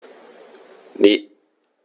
Ne.